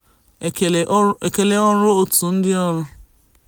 Ekele ọrụ òtù ndịọrụ!